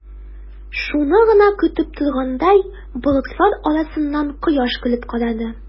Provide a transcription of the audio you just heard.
Шуны гына көтеп торгандай, болытлар арасыннан кояш көлеп карады.